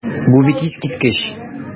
Бу бит искиткеч!